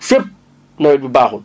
fépp nawet bi baaxul